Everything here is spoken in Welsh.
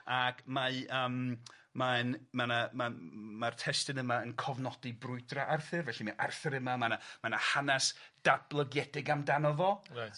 ac mae yym mae'n ma' na ma' ma'r testun yma yn cofnodi brwydra' Arthur, felly ma' Arthur yma, ma' na ma' na hanes datblygiedig amdano fo. Reit.